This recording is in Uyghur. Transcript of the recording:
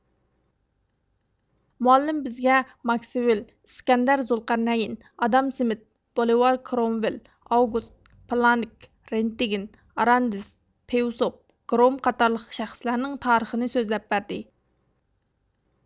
مۇ ئەللىم بىزگە ماكسۋېل ئىسكەندەر زۇلقەرنەين ئادام سمىت بولىۋار كرۇمۋېل ئاۋگۇست پلانك رېنتگېن ئاراندېز پېۋسوپ گرۇم قاتارلىق شەخىسلەرنىڭ تارىخىنى سۆزلەپ بەردى